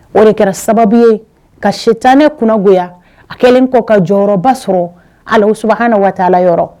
O de kɛra sababu ye ka se tan ne kunnago a kɛlen kɔ ka jɔyɔrɔba sɔrɔ ali su na waati' la yɔrɔ